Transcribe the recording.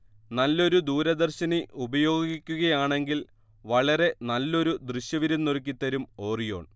നല്ലൊരു ദൂരദർശിനി ഉപയോഗിക്കുകയാണെങ്കിൽ വളരെ നല്ലൊരു ദൃശ്യവിരുന്നൊരുക്കിത്തരും ഓറിയോൺ